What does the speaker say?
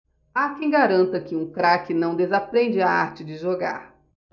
há quem garanta que um craque não desaprende a arte de jogar